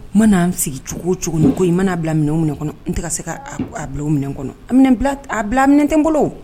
N mana n sigi cogo ocogo, i man'a bila minan o minan kɔnɔ n tɛ se ka a bila o minan kɔnɔ, a bila minan tɛ n bolo o.